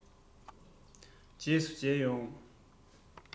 རྗེས སུ མཇལ ཡོང